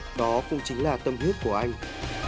đó cũng chính là tâm huyết của anh